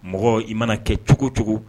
Mɔgɔ i mana kɛ cogo cogo